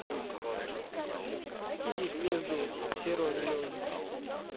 иди в пизду все розы лежа